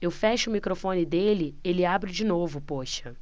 eu fecho o microfone dele ele abre de novo poxa